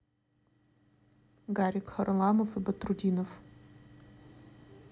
гарик харламов и батрутдинов